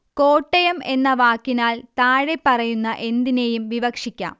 കോട്ടയം എന്ന വാക്കിനാൽ താഴെപ്പറയുന്ന എന്തിനേയും വിവക്ഷിക്കാം